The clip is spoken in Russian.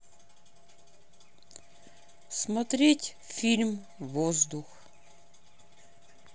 смотреть фильм воздух